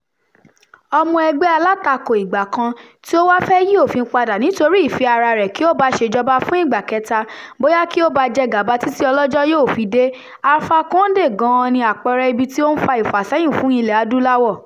Ọmọ ẹgbẹ́ alátakò ìgbàkan, tí ó wá fẹ́ yí òfin padà nítorí ìfẹ́ ara rẹ̀ kí ó ba ṣèjòba fún ìgbà kẹta, bóyá kí ó bá jẹ gàba títí tí Ọlọ́jọ́ yóò fi dé, Alpha Condé gan-an ni àpẹẹrẹ ibi tí ó ń fa ìfàsẹ́yìn fún Ilẹ̀-Adúláwọ̀ !